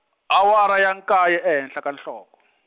awara ya nkaye ehenhla ka nhloko .